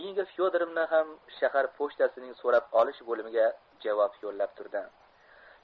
inga fyodorovna ham shahar pochtasining so'rab olish bo'limiga javob yo'llab turdi